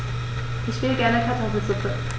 Ich will gerne Kartoffelsuppe.